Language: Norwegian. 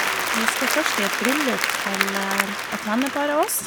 Vi skal først i et bryllup til et vennepar av oss.